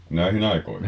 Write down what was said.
näihin aikoihin